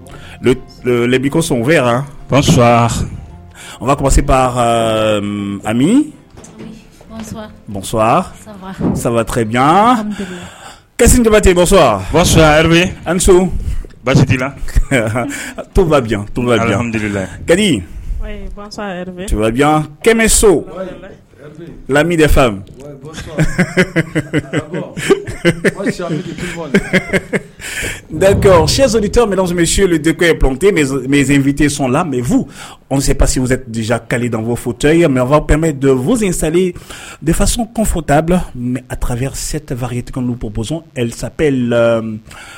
Kosɔns sabayan damaba tɛ basi la tuyan tuyan so lammi de fa sisonli minɛnmuso bɛ si de pte fite sɔn la mɛ fu anw pasi kalili danfɔ fɔ mɛfap fuz sa defasiw kun fɔ taabolo tɛfati bɔ bɔnzsap la